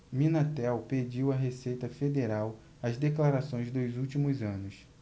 minatel pediu à receita federal as declarações dos últimos anos